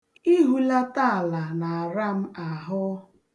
Ihulata ala na-ara m ahụ.